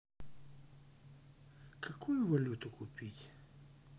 какую валюту купить